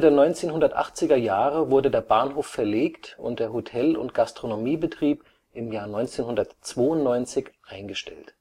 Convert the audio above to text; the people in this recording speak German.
1980er Jahre wurde der Bahnhof verlegt und der Hotel - und Gastronomiebetrieb im Januar 1992 eingestellt